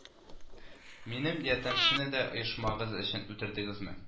Минем ярдәмчене дә оешмагыз өчен үтердегезме